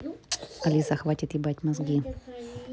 алиса хватит ебать мозги